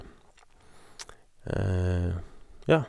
Ja.